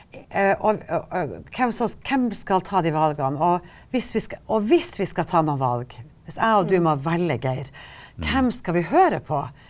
og hvem så hvem skal ta de valgene, og hvis vi skal og hvis vi skal ta noen valg hvis og du og jeg må velge Geir, hvem skal vi høre på?